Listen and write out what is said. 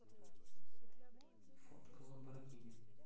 фотка ламборгини